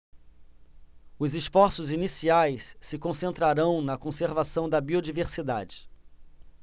os esforços iniciais se concentrarão na conservação da biodiversidade